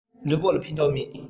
ལུས པོ ལ ཕན ཐོགས མེད